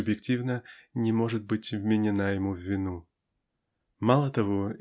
субъективно не может быть вменена ему в вину. Мало того